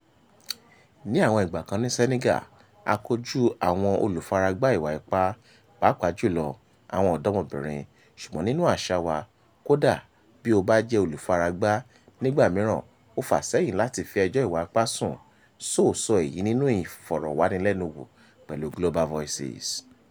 Ní àwọn ìgbà kan ní Senegal, a kojú àwọn olùfaragbà ìwà ipá, pàápàá jùlọ àwọn ọ̀dọ́mọbìnrin, ṣùgbọ́n nínú àṣà wá, kódà bí o bá jẹ́ olùfaragbà, nígbà mìíràn [o] fà sẹ́yìn láti fi ẹjọ́ ìwà ipá sùn, "Sow sọ èyí nínú Ìfọ̀rọ̀wánilẹ́nuwò pẹ̀lú Global Voices.